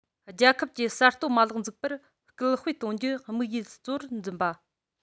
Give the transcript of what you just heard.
རྒྱལ ཁབ ཀྱི གསར གཏོད མ ལག འཛུགས པར སྐུལ སྤེལ གཏོང རྒྱུ དམིགས ཡུལ གཙོ བོར འཛིན པ